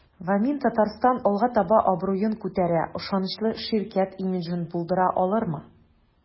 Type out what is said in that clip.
"вамин-татарстан” алга таба абруен күтәрә, ышанычлы ширкәт имиджын булдыра алырмы?